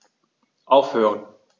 Aufhören.